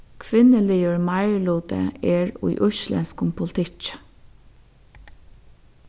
kvinnuligur meiriluti er í íslendskum politikki